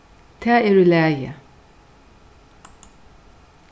tað er í lagi